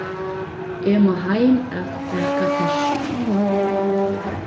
eg má heim at baka tertu